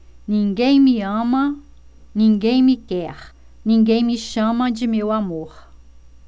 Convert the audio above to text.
ninguém me ama ninguém me quer ninguém me chama de meu amor